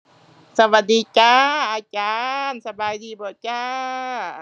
สวัสดีจ้าอาจารย์ สบายดีบ่จ้า